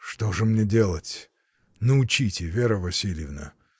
— Что же мне делать, научите, Вера Васильевна?